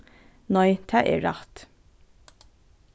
nei tað er rætt